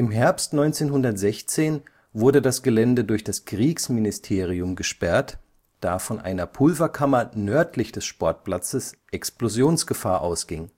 Herbst 1916 wurde das Gelände durch das Kriegsministerium gesperrt, da von einer Pulverkammer nördlich des Sportplatzes Explosionsgefahr ausging